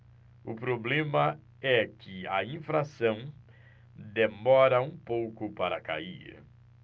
o problema é que a inflação demora um pouco para cair